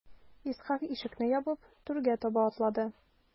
Исхак ишекне ябып түргә таба атлады.